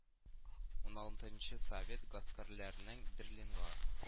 Ун алтынчы совет гаскәрләренең берлинга